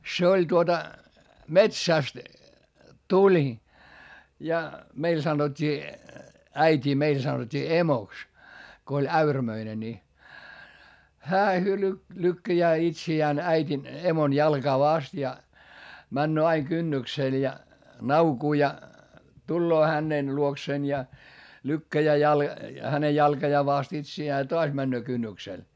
se oli tuota metsästä tuli ja meillä sanottiin äitiä meillä sanottiin emoksi kun oli äyrämöinen niin hän lykkää itseään äidin emon jalkaa vasten ja menee aina kynnykselle ja naukuu ja tulee hänen luokseen ja lykkää - hänen jalkojaan vasten itseään ja taas menee kynnykselle